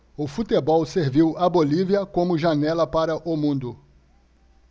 o futebol serviu à bolívia como janela para o mundo